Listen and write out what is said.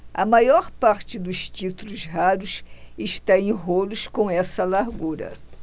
a maior parte dos títulos raros está em rolos com essa largura